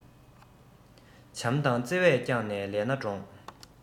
བྱམས དང བརྩེ བས བསྐྱངས ནས ལས སྣ དྲོངས